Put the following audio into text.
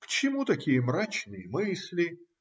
- К чему такие мрачные мысли?